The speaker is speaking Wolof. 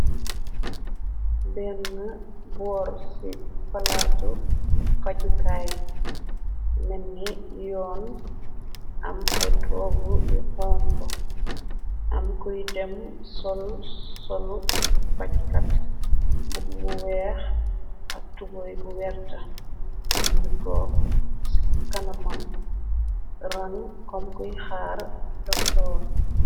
Benne boor ci palaatu fajukaay men ni yoon am ay toogu yxon ko am kuy dem solu pajkat bubu weex ak tuboy werta am nutoog ci kana mam rëng kom kuy xaar doktoor.